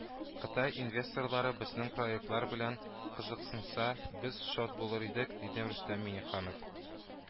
«кытай инвесторлары безнең проектлар белән кызыксынса, без шат булыр идек, - диде рөстәм миңнеханов